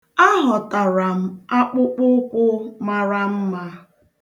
A họtara m akpụkpụụkwụ mara mma.